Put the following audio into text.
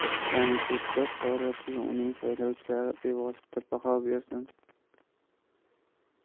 ya'ni deputat faoliyatiga uning saylovchilari bevosita baho bersin